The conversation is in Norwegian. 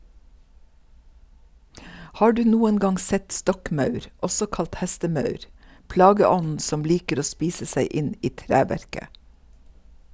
Har du noen gang sett stokkmaur, også kalt hestemaur, plageånden som liker å spise seg inn i treverket?